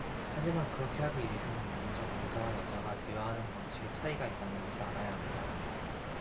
하지만 그렇게 하기 위해서는 먼저 남자와 여자가 대화하는 방식에 차이가 있다는 것을 알아야 합니다